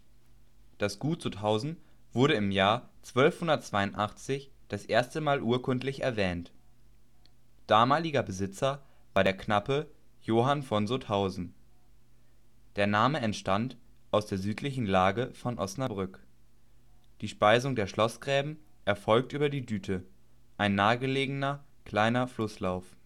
Gut Sutthausen wurde im Jahr 1282 das erste Mal urkundlich erwähnt. Damaliger Besitzer war der Knappe Johann von Sutthausen. Der Name entstand aus der südlichen Lage von Osnabrück. Die Speisung der Schlossgräben erfolgt über die Düte, ein nahegelegener kleine Flusslauf